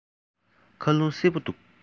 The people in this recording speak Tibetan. ཁ རླུང བསིལ པོ འདུག